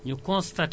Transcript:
vingt mille